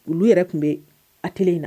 Olu yɛrɛ tun bɛ a kelen in na